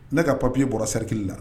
Ne ka papie bɔra seliri kelenli la